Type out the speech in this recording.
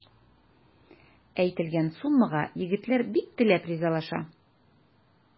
Әйтелгән суммага егетләр бик теләп ризалаша.